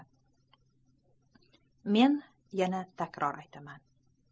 men yana takror aytaman